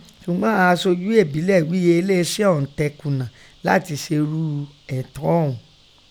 Sùgbọ́n ìghọn aṣojú èbílẹ̀ wí i eléeṣẹ́ ọ̀ún tẹ kùnà láti se'rú ẹ̀tọ́ ọ̀ún